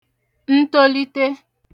ntolite